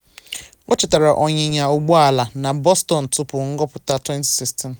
Ọ chetara ọnyịnya ụgbọ ala na Boston tupu nhọpụta 2016.